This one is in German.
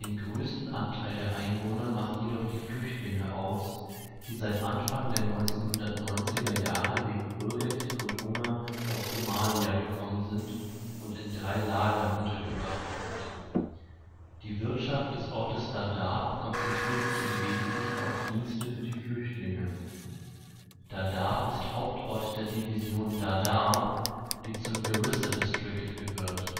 größten Anteil der Einwohner machen jedoch die Flüchtlinge aus, die seit Anfang der 1990er Jahre wegen Bürgerkrieg und Hunger aus Somalia gekommen sind und in drei Lagern untergebracht sind. Die Wirtschaft des Ortes Dadaab konzentriert sich im Wesentlichen auf Dienste für die Flüchtlinge. Dadaab ist Hauptort der Division Dadaab, die zum Garissa District gehört